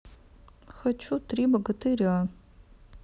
хочу три богатыря